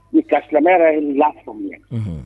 Nka ka silamɛyala i y'a faamuya